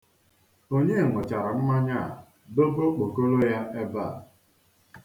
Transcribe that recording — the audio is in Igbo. Onye nụchara mmanya a dobe okpokolo ya ebe a?